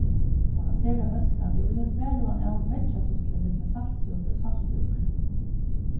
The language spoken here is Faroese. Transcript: tað var sera hóskandi og vit høvdu varhugan av veggjatutli millum saltsúlur og saltlúkur